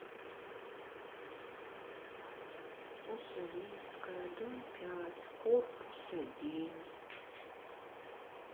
уссурийская дом пять корпус один